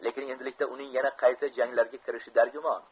lekin endilikda uning yana qayta janglarga kirishi dargumon